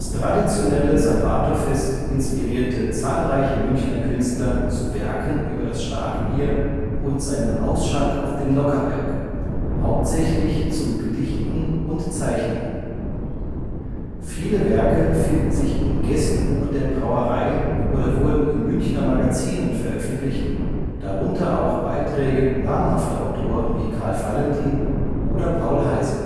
traditionelle Salvatorfest inspirierte zahlreiche Münchner Künstler zu Werken über das Starkbier und seinen Ausschank auf dem Nockherberg, hauptsächlich zu Gedichten und Zeichnungen. Viele Werke finden sich im Gästebuch der Brauerei oder wurden in Münchner Magazinen veröffentlicht, darunter auch Beiträge namhafter Autoren wie Karl Valentin oder Paul Heyse